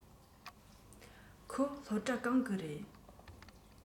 ཁོ སློབ གྲྭ གང གི རེད